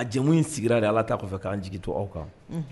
A jamumu in sigira de ala' a kɔfɛ k an jigi to aw kan